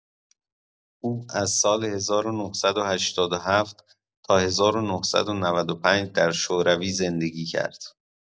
او از سال ۱۹۸۷ تا ۱۹۹۵ در شوروی زندگی کرد.